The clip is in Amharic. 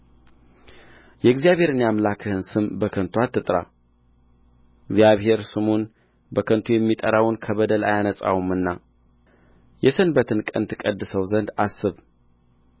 የእግዚአብሔርን የአምላክህን ስም በከንቱ አትጥራ እግዚአብሔር ስሙን በከንቱ የሚጠራውን ከበደል አያነጻውምና የሰንበትን ቀን ትቀድሰው ዘንድ አስብ